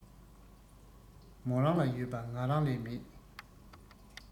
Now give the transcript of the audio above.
མོ རང ལ ཡོད པ ང རང ལས མེད